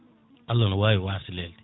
Allah ne wawi wasa lelde